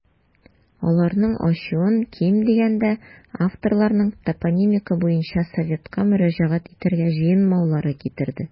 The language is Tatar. Аларның ачуын, ким дигәндә, авторларның топонимика буенча советка мөрәҗәгать итәргә җыенмаулары китерде.